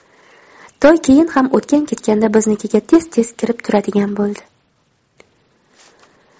toy keyin ham o'tgan ketganda biznikiga tez tez kirib turadigan bo'ldi